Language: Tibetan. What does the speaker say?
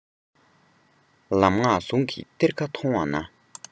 ལམ སྔགས ཟུང གི གཏེར ཁ མཐོང བ ན